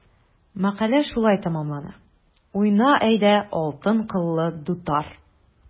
Мәкалә шулай тәмамлана: “Уйна, әйдә, алтын кыллы дутар!"